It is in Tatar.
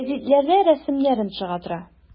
Гәзитләрдә рәсемнәрем чыга тора.